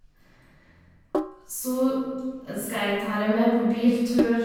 Så skal jeg ta dem med på biltur.